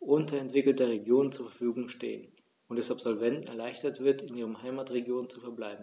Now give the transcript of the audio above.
unterentwickelter Regionen zur Verfügung stehen, und es Absolventen erleichtert wird, in ihren Heimatregionen zu verbleiben.